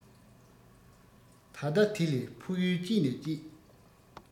ད ལྟ དེ ལས ཕུགས ཡུལ སྐྱིད ནས སྐྱིད